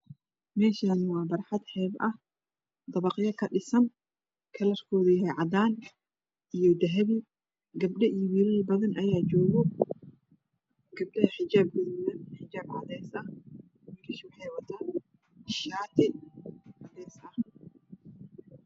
Meshan waa barxad xeeb ah dabaqyo ka dhisan kalrkoo du yahay cadaan iyo dahapi gabdho iyo wilala badan ayaa jogaan gabdhah xijaap gaduudan iyo xijaap cades ah wiilasha waxii wataan shaati cadees ah